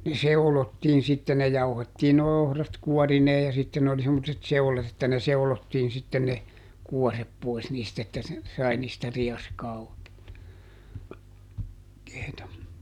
ne seulottiin sitten ne jauhettiin nuo ohrat kuorineen ja sitten oli semmoiset seulat että ne seulottiin sitten ne kuoret pois niistä että ne sai niistä rieskaa oikeata -